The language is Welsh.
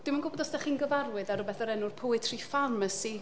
Dwi'm yn gwybod os dach chi'n gyfarwydd â rywbeth o'r enw Poetry Pharmacy